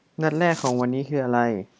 นัดแรกของวันนี้นี้คืออะไร